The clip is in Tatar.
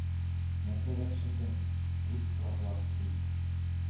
— нәрсәгә төшендең? — дип сорадылар, ди.